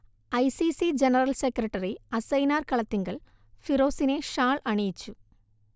I C C general secretary Asainar Kalathingal ഫിറോസിനെ ഷാൾ അണിയിച്ചു